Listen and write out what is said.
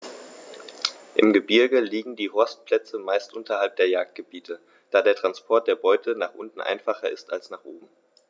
Im Gebirge liegen die Horstplätze meist unterhalb der Jagdgebiete, da der Transport der Beute nach unten einfacher ist als nach oben.